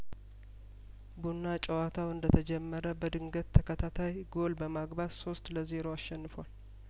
ቡና ጨዋታው እንደተጀመረ በድንገት ተከታታይ ጐል በማግባት ሶስት ለዜሮ አሸንፏል